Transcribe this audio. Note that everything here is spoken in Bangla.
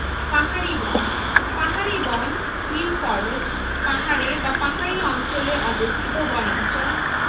পাহাড়ি বন পাহাড়ি বন হিল ফরেস্ট পাহাড়ে বা পাহাড়ি অঞ্চলে অবস্থিত বনাঞ্চল